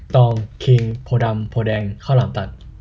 ตองคิงโพธิ์ดำโพธิ์แดงข้าวหลามตัด